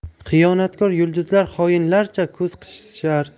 xiyonatkor yulduzlar xoinlarcha ko'z qisishar